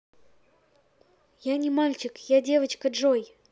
я не мальчик я девочка джой